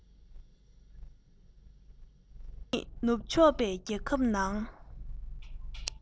འདི ཉིད ནུབ ཕྱོགས པའི རྒྱལ ཁབ ནང